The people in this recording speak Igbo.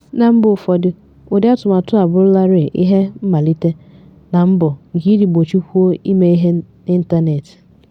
Na mba ụfọdụ, ụdị atụmatụ a a bụrụ larịị ihe mmalite na mbọ nke ịji mgbochi kwuo ime ihe n'ịntanetị.